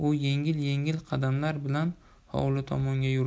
u yengil yengil qadamlar bilan hovli tomonga yurib